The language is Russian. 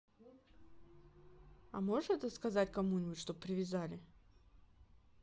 а можешь это сказать кому нибудь чтоб привязали